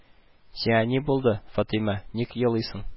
– сиңа ни булды, фатыйма, ник елыйсың